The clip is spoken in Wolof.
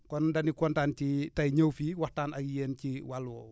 kon dañuy kontaan ci tey ñëw fii waxtaan ak yéen ci wàll woowu